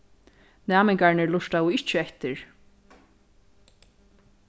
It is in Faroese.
næmingarnir lurtaðu ikki eftir